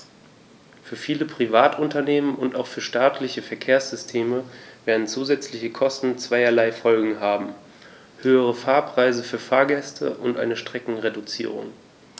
Für viele Privatunternehmen und auch für staatliche Verkehrssysteme werden zusätzliche Kosten zweierlei Folgen haben: höhere Fahrpreise für Fahrgäste und eine Streckenreduzierung.